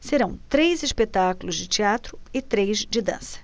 serão três espetáculos de teatro e três de dança